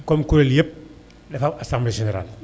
comme kuréel yëpp dafa am assemblée générale